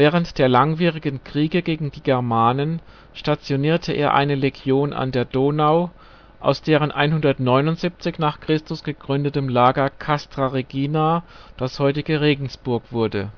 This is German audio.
Während der langwierigen Kriege gegen die Germanen stationierte er eine Legion an der Donau, aus deren 179 gegründetem Lager Castra Regina das heutige Regensburg wurde